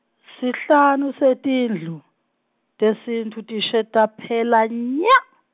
sihlanu setindlu, tesintfu tishe taphela nya.